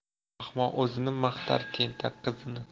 ahmoq o'zini maqtar tentak qizini